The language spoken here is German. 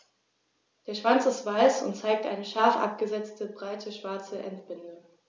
Der Schwanz ist weiß und zeigt eine scharf abgesetzte, breite schwarze Endbinde.